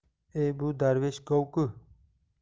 e bu darvesh gov ku